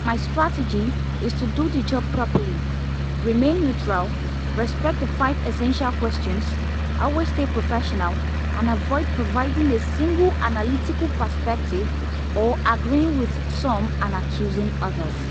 My strategy is to do the job properly: remain neutral, respect the five essential questions, always stay professional, and avoid providing a single analytical perspective or agreeing with some and accusing others.